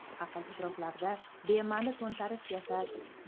aql idroklarda bema'ni to'ntarish yasash